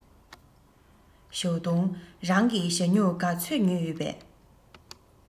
ཞའོ ཏུང རང གིས ཞྭ སྨྱུག ག ཚོད ཉོས ཡོད པས